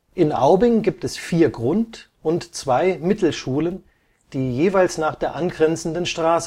In Aubing gibt es vier Grund - und zwei Mittelschulen, die jeweils nach der angrenzenden Straße